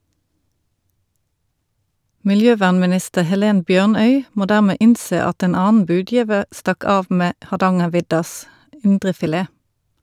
Miljøvernminister Helen Bjørnøy må dermed innse at en annen budgiver stakk av med «Hardangerviddas indrefilet».